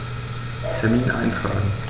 Termin eintragen